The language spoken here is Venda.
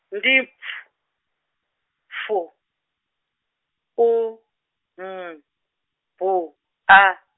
ndi P, F, U, N, W, A.